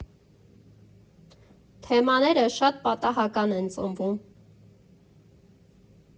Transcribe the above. Թեմաները շատ պատահական են ծնվում։